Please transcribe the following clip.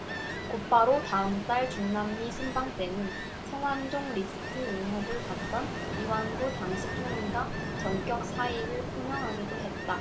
곧바로 다음달 중남미 순방 때는 성완종 리스트 의혹을 받던 이완구 당시 총리가 전격 사의를 표명하기도 했다